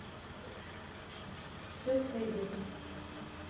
все пройдет